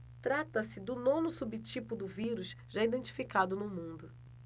trata-se do nono subtipo do vírus já identificado no mundo